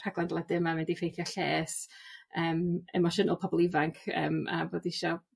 rhaglen deledu yma mynd i effeithio lles yym emosiynol pobol ifanc yym a bod isio